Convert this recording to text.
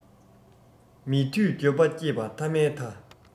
མེད དུས འགྱོད པ སྐྱེས པ ཐ མའི ཐ